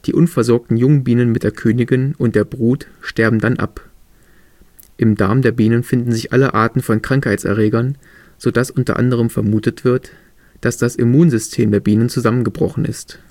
unversorgten Jungbienen mit der Königin und der Brut sterben dann ab. Im Darm der Bienen finden sich alle Arten von Krankheitserregern, so dass u. a. vermutet wird, dass das Immunsystem der Bienen zusammengebrochen ist